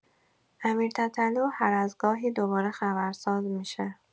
امیر تتلو هر از گاهی دوباره خبرساز می‌شه.